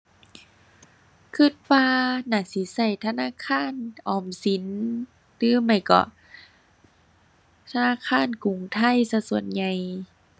คิดว่าน่าสิคิดธนาคารออมสินหรือไม่ก็ธนาคารกรุงไทยซะส่วนใหญ่